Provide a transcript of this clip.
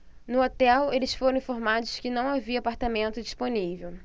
no hotel eles foram informados que não havia apartamento disponível